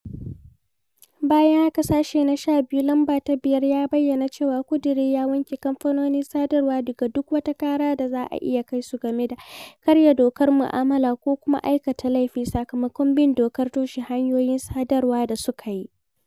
Bayan haka, sashe na 12, lamba ta 5 ya bayyana cewa ƙudurin ya wanke kamfanonin sadarwa daga duk wata ƙara da za a iya kai su game da "karya dokar mu'amala ko kuma kuma aikata laifi" sakamakon "bin dokar toshe hanyoyin sadarwa" da suka yi.